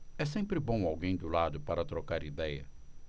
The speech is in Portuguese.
é sempre bom alguém do lado para trocar idéia